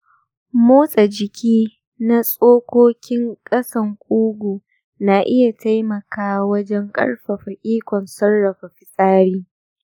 motsa jiki na tsokokin ƙasan ƙugu na iya taimaka wajen ƙarfafa ikon sarrafa fitsari.